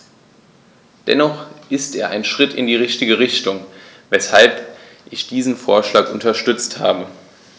Dennoch ist er ein Schritt in die richtige Richtung, weshalb ich diesen Vorschlag unterstützt habe.